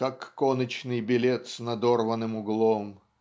как коночный билет с надорванным углом"